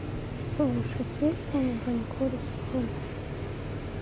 слушать песни ебанько руслан